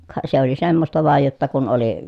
ka se oli semmoista vain jotta kun oli